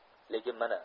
lekin mana